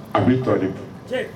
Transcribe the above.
A bɛi tɔlen